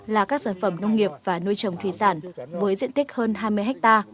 là các sản phẩm nông nghiệp và nuôi trồng thủy sản với diện tích hơn hai mươi héc ta